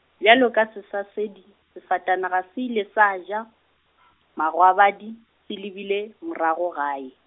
bjalo ka sesasedi, sefatanaga se ile sa ja , magwabadi, se lebile, morago gae.